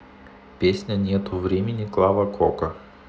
песня нету времени клава кока